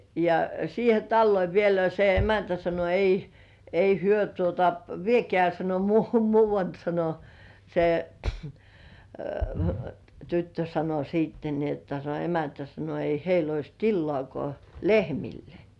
ja siihen taloon vielä ja se emäntä sanoi ei ei he tuota viekää sanoi - muualle [!] sanoi se tyttö sanoi sitten niin jotta se emäntä sanoi ei heillä olisi tilaakaan lehmille